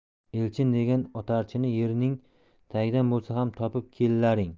elchin degan otarchini yerning tagidan bo'lsa ham topib kellaring